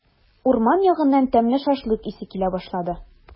Урман ягыннан тәмле шашлык исе килә башлады.